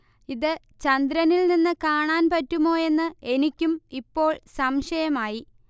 ഇതു ചന്ദ്രനിൽ നിന്നു കാണാൻ പറ്റുമോയെന്ന് എനിക്കും ഇപ്പോൾ സംശയമായി